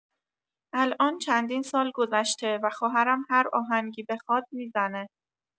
الان چندین سال‌گذشته و خواهرم هر آهنگی بخواد می‌زنه.